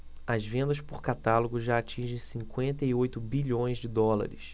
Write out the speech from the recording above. as vendas por catálogo já atingem cinquenta e oito bilhões de dólares